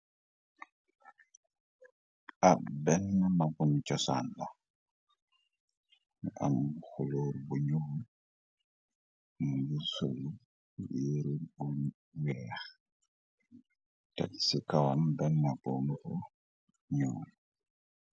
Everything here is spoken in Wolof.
ab benn maguñ cosanda am xulóor buñu mu yu sol éru mun weex teg ci kawam bennabonuko ñoo